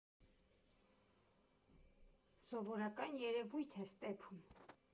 Սովորական երևույթ է Ստեփում։